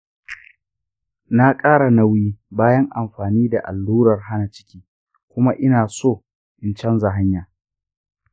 na ƙara nauyi bayan amfani da allurar hana ciki, kuma ina so in canza hanya.